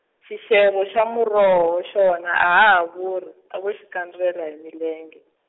xixevo xa muroho xona a ha ha vuri a vo xikandziyela hi milenge.